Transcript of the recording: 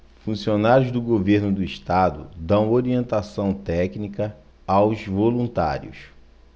funcionários do governo do estado dão orientação técnica aos voluntários